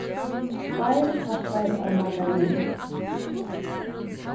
tveir pakkar av margarini